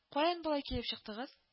Каян болай килеп чыктыгыз